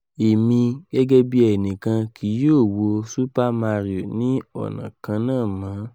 Emi, gẹgẹbi ẹnikan, kii yoo wo Super Mario ni ọna kanna mọ.